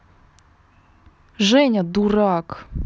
женя дурак